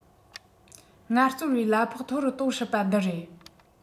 ངལ རྩོལ པའི གླ ཕོགས མཐོ རུ གཏོང སྲིད པ འདི རེད